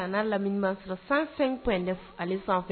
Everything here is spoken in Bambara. A'a lamini ma sɔrɔ san fɛn de ani san fɛn